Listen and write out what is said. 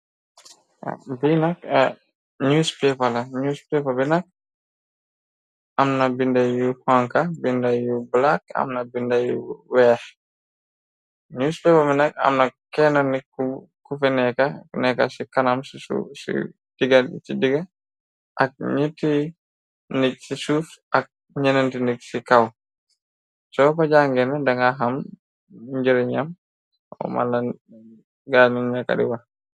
Biknewspaper la newspaper bi nak amna binda yu panka binda yu black amna bindeyu weex newspaper bi nak amna kenn nikku kufe neka neka ci kanam digal ci diga ak nitti nik ci suuf ak ñënanti nik ci kaw soo ko jangeene danga xam njëri ñammala gani nekariwax.